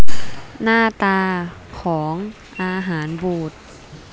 หน้าตาของอาหารบูด